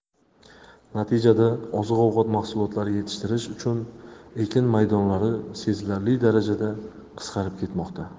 natijada oziq ovqat mahsulotlari yetishtirish uchun ekin maydonlari sezilarli darajada qisqarib ketmoqda